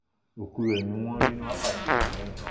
òkú rẹ̀ ni wọ́n rí ní wákàtí kan lẹ́yìn náà.